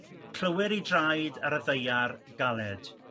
Clywir i draed ar y ddaear galed